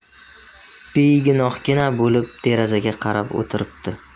begunohgina bo'lib derazaga qarab o'tiribdi